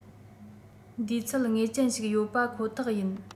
འདུས ཚད ངེས ཅན ཞིག ཡོད པ ཁོ ཐག ཡིན